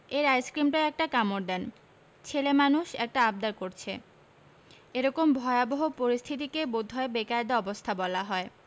এর আইসক্রিমটায় একটা কামড় দেন ছেলে মানুষ একটা অব্দিার করছে এরকম ভয়াবহ পরিস্থিতিকেই বোধ হয় বেকায়দা অবস্থা বলা হয়